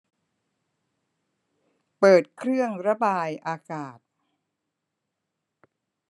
เปิดเครื่องระบายอากาศ